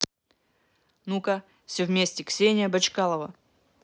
ну ка все вместе ксения бочкалова